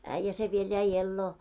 äijä se vielä jäi eloon